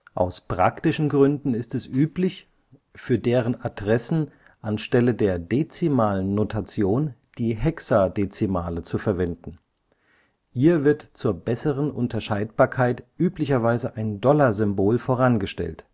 Aus praktischen Gründen ist es üblich, für deren Adressen anstelle der dezimalen Notation die hexadezimale zu verwenden. Ihr wird zur besseren Unterscheidbarkeit üblicherweise ein $-Symbol vorangestellt